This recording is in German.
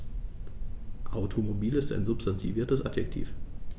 Automobil ist ein substantiviertes Adjektiv.